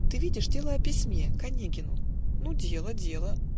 Ты видишь, дело о письме К Онегину. - "Ну, дело, дело.